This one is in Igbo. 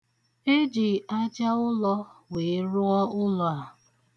E ji aja ụlọ wee rụọ ụlọ a.